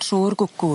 Trw'r gwcw.